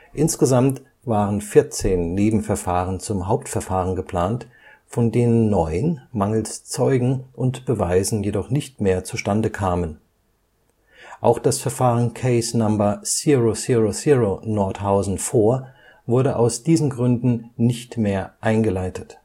Insgesamt waren 14 Nebenverfahren zum Hauptverfahren geplant, von denen neun mangels Zeugen und Beweisen jedoch nicht mehr zustande kamen. Auch das Verfahren Case No. 000-Nordhausen-4 wurde aus diesen Gründen nicht mehr eingeleitet